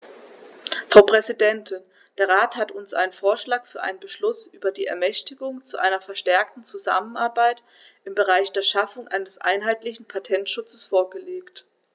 Frau Präsidentin, der Rat hat uns einen Vorschlag für einen Beschluss über die Ermächtigung zu einer verstärkten Zusammenarbeit im Bereich der Schaffung eines einheitlichen Patentschutzes vorgelegt.